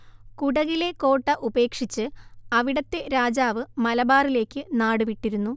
കുടകിലെ കോട്ട ഉപേക്ഷിച്ച് അവിടത്തെ രാജാവ് മലബാറിലേക്ക് നാടുവിട്ടിരുന്നു